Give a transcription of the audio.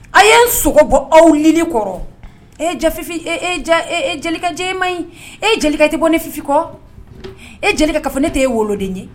A ye n sogo bɔ aw ni kɔrɔ e jelikɛ e ma ɲi e jelikɛ tɛ bɔ ne fifin kɔ e jelikɛ ka ne tɛ ye woloden ye